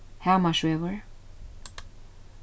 hamarsvegur